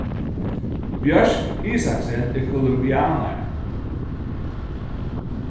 bjørk isaksen er kolumbianari